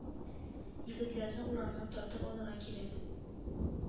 Егетләрне урамнан тартып алырга кирәк